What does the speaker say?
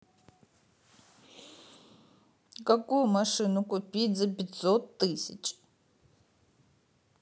какую машину купить за пятьсот тысяч